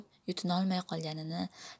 yutinolmay qolgan